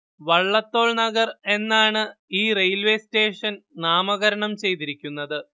വള്ളത്തോൾ നഗർ എന്നാണ് ഈ railway station നാമകരണം ചെയ്തിരിക്കുന്നത്